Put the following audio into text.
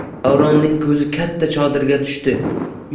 davronning ko'zi katta chodirga